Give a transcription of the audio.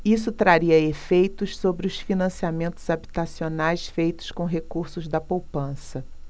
isso traria efeitos sobre os financiamentos habitacionais feitos com recursos da poupança